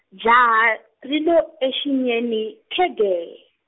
jaha, ri lo ensinyeni khegee.